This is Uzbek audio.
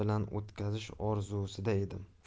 bilan o'tkazish orzusida edim